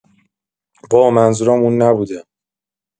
بابا منظورم اون نبوده